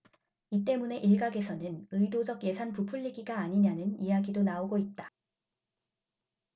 이 때문에 일각에서는 의도적예산 부풀리기가 아니냐는 이야기도 나오고 있다